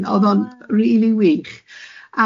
O waw. Odd o'n rili wych.